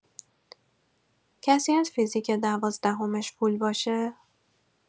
کسی هست فیزیک دوازدهمش فول باشه؟